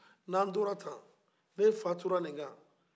ni an tora tan ni e fatura ni kan